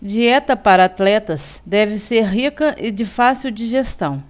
dieta para atletas deve ser rica e de fácil digestão